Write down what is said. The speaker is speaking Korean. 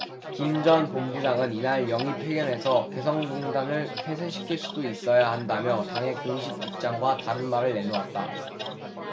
김 전 본부장은 이날 영입 회견에서 개성공단을 폐쇄시킬 수도 있어야 한다며 당의 공식 입장과 다른 말을 내놓았다